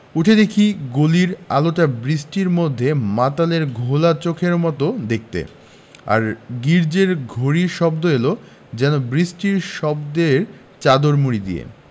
উঠে দেখি গলির আলোটা বৃষ্টির মধ্যে মাতালের ঘোলা চোখের মত দেখতে আর গির্জ্জের ঘড়ির শব্দ এল যেন বৃষ্টির শব্দের চাদর মুড়ি দিয়ে